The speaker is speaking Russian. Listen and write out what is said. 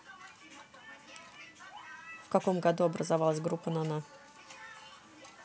в каком году образовалась группа на на